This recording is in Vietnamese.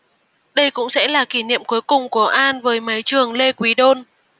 đây cũng sẽ là kỉ niệm cuối cùng của an với mái trường lê quý đôn